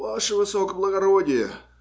Ваше высокоблагородие,